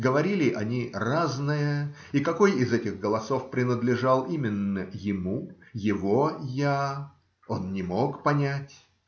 говорили они разное, и какой из этих голосов принадлежал именно ему, его "я", он не мог понять.